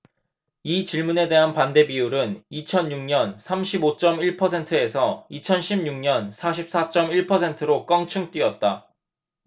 이 질문에 대한 반대비율은 이천 육 년 삼십 오 쩜 일 퍼센트에서 이천 십 육 년 사십 사 쩜 일 퍼센트로 껑충 뛰었다